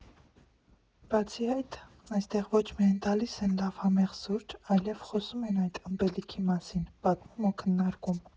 Բացի այդ, այստեղ ոչ միայն տալիս են լավ համեղ սուրճ, այլև խոսում են այդ ըմպելիքի մասին, պատմում ու քննարկում։